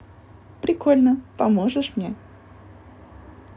прикольно поможешь мне